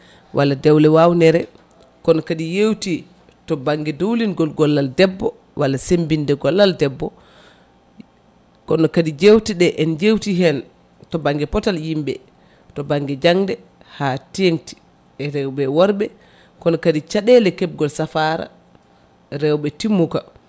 walla dewle wawnere kono kadi yewti to banggue dowlingol gollal debbo walla sembinde gollal debbo kono kadi jewteɗe en jetwi hen to banggue pootal yimɓe to bnaggue jangde ha tengti e rewɓe e worɓe kono kadi caɗele kebgol safara rewɓe Timmuka